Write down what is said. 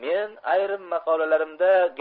men ayrim maqolalarimda